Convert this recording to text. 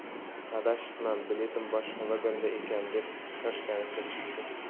adashibman biletim boshqa vagonga ekan deb shoshganicha chiqdi